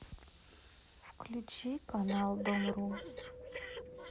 включи канал дом ру